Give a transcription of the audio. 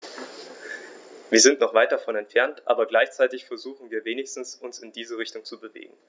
Wir sind noch weit davon entfernt, aber gleichzeitig versuchen wir wenigstens, uns in diese Richtung zu bewegen.